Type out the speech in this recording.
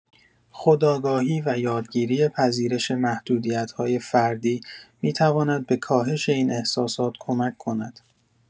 خودآگاهی و یادگیری پذیرش محدودیت‌های فردی می‌تواند به کاهش این احساسات کمک کند.